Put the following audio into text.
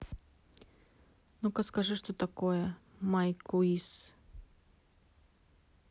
ну ка скажи что такое myquiz